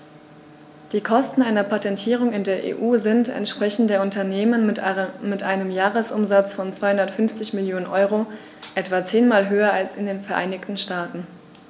Die Kosten einer Patentierung in der EU sind, entsprechend der Unternehmen mit einem Jahresumsatz von 250 Mio. EUR, etwa zehnmal höher als in den Vereinigten Staaten.